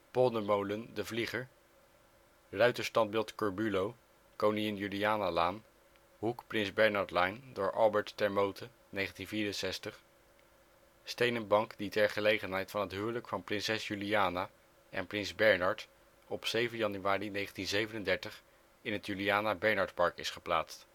Poldermolen De Vlieger Ruiterstandbeeld Corbulo, Koningin Julianalaan, hoek Prins Bernhardlaan door Albert Termote 1964 Stenen bank die ter gelegenheid van het huwelijk van Prinses Juliana en Prins Bernhard op 7 januari 1937 in het Juliana-Bernhardpark is geplaatst